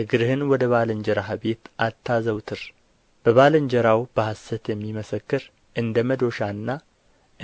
እግርህን ወደ ባልንጀራህ ቤት አታዘውትር በባልንጀራው በሐሰት የሚመሰክር እንደ መዶሻና